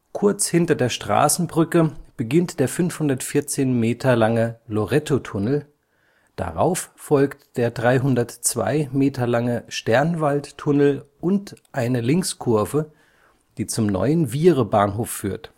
Kurz hinter der Straßenbrücke beginnt der 514 Meter Lorettotunnel, darauf folgt der 302 Meter lange Sternwaldtunnel und eine Linkskurve, die zum neuen Wiehrebahnhof führt